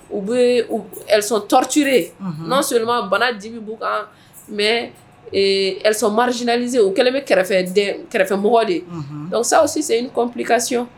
U bɛɛ elles sont torturées, non seulement, bana dimi b'u kan mais ehh, elles sont marginalisées u kɛlen bɛ kɛrɛfɛ den, kɛrɛfɛ mɔgɔ den ye. unhun Ça aussi , c'est une complication .